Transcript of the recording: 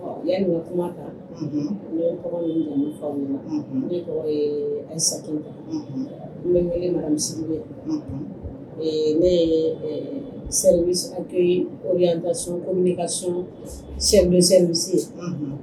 U y'a kuma kan n ye tɔgɔ min dɛmɛ' min na ne tɔgɔ ɛsa n bɛ wele mara misisiri bɛ ne sɛ o' ka sun ko ka sɛ sɛ misi ye